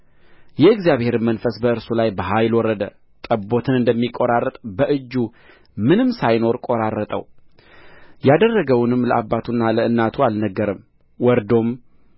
የእግዚአብሔርም መንፈስ በእርሱ ላይ በኃይል ወረደ ጠቦትን እንደሚቆራርጥ በእጁ ምንም ሳይኖር ቈራረጠው ያደረገውንም ለአባቱና ለእናቱ አልነገረም ወርዶም